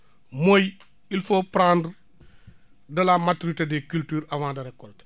mooy il faut prendre de la maturité des cultures avant de récolter